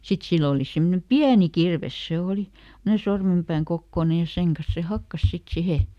sitten sillä oli semmoinen pieni kirves se oli semmoinen sormenpään kokoinen ja sen kanssa se hakkasi sitten siihen